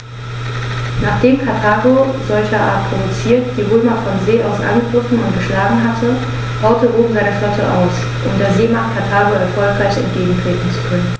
Nachdem Karthago, solcherart provoziert, die Römer von See aus angegriffen und geschlagen hatte, baute Rom seine Flotte aus, um der Seemacht Karthago erfolgreich entgegentreten zu können.